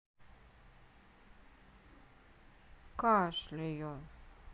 кашляю